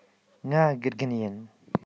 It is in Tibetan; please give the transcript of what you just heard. ང དགེ རྒན མིན